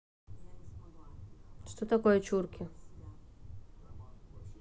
что такое чурки